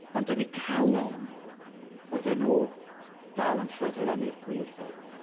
Ond yn eu calon, oedden nhw dal yn ffyddlon i'r gwir Dduw.